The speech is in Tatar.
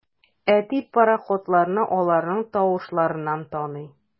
Әти пароходларны аларның тавышларыннан таный.